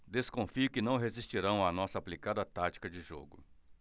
desconfio que não resistirão à nossa aplicada tática de jogo